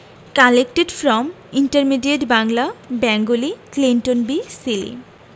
collected from intermediate Bangla Bengali Clinton B Seely